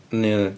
Ie.